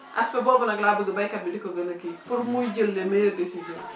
aspect boobu nag laa bëgg béykat bi di ko gën a kii pour muy jël les meilleures décisions